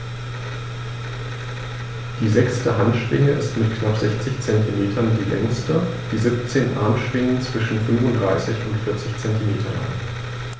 Die sechste Handschwinge ist mit knapp 60 cm die längste. Die 17 Armschwingen sind zwischen 35 und 40 cm lang.